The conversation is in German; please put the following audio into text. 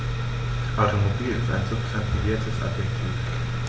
Automobil ist ein substantiviertes Adjektiv.